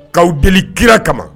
K'aw deli kira kama